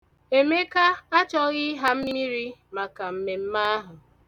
Emeka achọghị ịha mmiri maka mmemme ahụ.